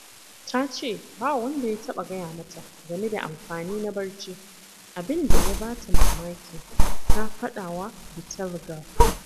Ta ce ba wanda ya taɓa gaya mata game da amfani na barci - abin da ya ba ta mamaki,’ ta faɗa wa The Telegraph.